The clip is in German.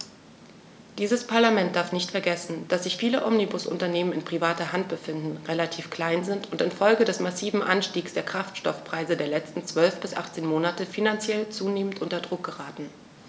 Dieses Parlament darf nicht vergessen, dass sich viele Omnibusunternehmen in privater Hand befinden, relativ klein sind und in Folge des massiven Anstiegs der Kraftstoffpreise der letzten 12 bis 18 Monate finanziell zunehmend unter Druck geraten.